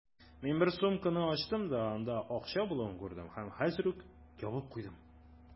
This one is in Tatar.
Мин бер сумканы ачтым да, анда акча булуын күрдем һәм хәзер үк ябып куйдым.